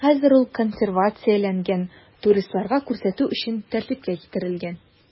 Хәзер ул консервацияләнгән, туристларга күрсәтү өчен тәртипкә китерелгән.